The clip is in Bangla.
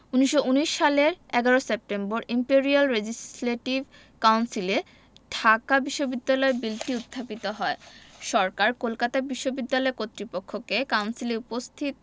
১৯১৯ সালের ১১ সেপ্টেম্বর ইম্পেরিয়াল রেজিসলেটিভ কাউন্সিলে ঢাকা বিশ্ববিদ্যালয় বিলটি উত্থাপিত হয় সরকার কলকাতা বিশ্ববিদ্যালয় কর্তৃপক্ষকে কাউন্সিলে উপস্থিত